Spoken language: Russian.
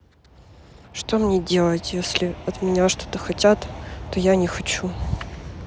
что мне делать если от меня что то хотят то я не хочу